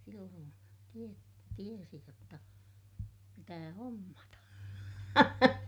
silloin - tiesi jotta pitää hommata